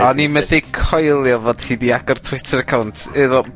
A o'n i methu coelio fod ti 'di agor Twitter account iddo...